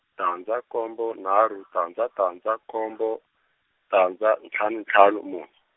tandza nkombo nharhu tandza tandza nkombo, tandza ntlhanu ntlhanu mune.